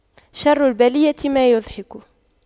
شر البلية ما يضحك